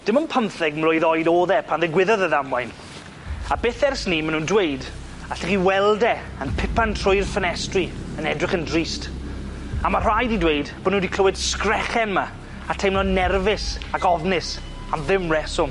Dim on' pymtheg mlwydd oed o'dd e pan ddigwyddodd y ddamwain, a byth ers 'ny ma' nw'n dweud allwch chi weld e yn pipan trwy'r ffenestri yn edrych yn drist, a ma' rhai 'di dweud bo' nw 'di clywed sgrechen 'my a teimlo'n nerfus ac ofnus am ddim reswm.